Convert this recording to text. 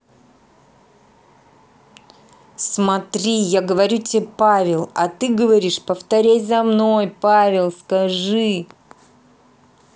смотри я говорю тебе павел а ты говоришь повторяй за мной павел скажи